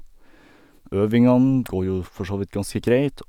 Øvingene går jo forsåvidt ganske greit.